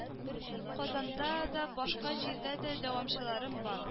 Казанда да башка җирдә дә дәвамчыларым бар